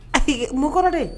Ayi mɔ kɔrɔ de